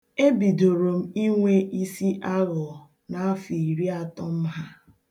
Ebidoro m inwe isi aghọ n'afọ iri atọ m ha.